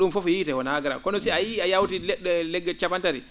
?um fof o wiyete wonaa grawe kono si a yiyii a yawtii le??e capantati